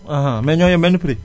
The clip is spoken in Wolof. mais ñoo yam benn prix